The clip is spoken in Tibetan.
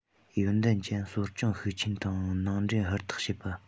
ཡོན ཏན ཅན གསོ སྐྱོང ཤུགས ཆེན དང ནང འདྲེན ཧུར ཐག བྱེད པ